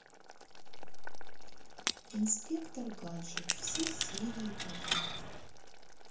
инспектор гаджет все серии подряд